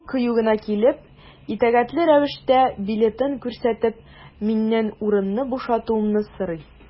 Ул кыю гына килеп, итәгатьле рәвештә билетын күрсәтеп, миннән урынны бушатуымны сорый.